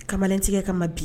Kamalentigɛ ka ma bi